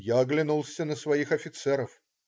Я оглянулся на своих офицеров.